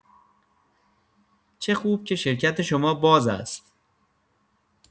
چه خوب که شرکت شما باز است.